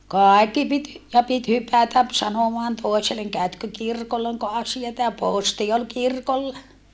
kaikki piti ja piti hypätä sanomaan toiselle käytkö kirkolla onko asiaa ja posti oli kirkolla